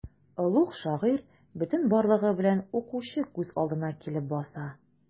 Олуг шагыйрь бөтен барлыгы белән укучы күз алдына килеп баса.